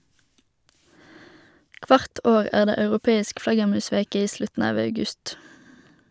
Kvart år er det europeisk flaggermusveke i slutten av august.